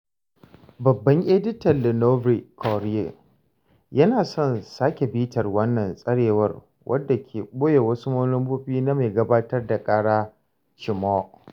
Babban editan “Le Nouveau Courrier” yana son sake bitar wannan tsarewar wanda ke ɓoye wasu manufofi na mai gabatar da ƙara, Tchimou.